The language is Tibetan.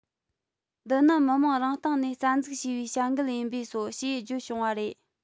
འདི ནི མི དམངས རང སྟེང ནས རྩ འཛུགས བྱས པའི བྱ འགུལ ཡིན པས སོ ཞེས བརྗོད བྱུང བ རེད